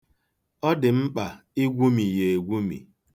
Ọ dị mkpa igwumi ya egwumi.